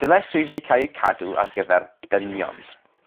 dylai swyddi cael eu cadw ar gyfer dynion.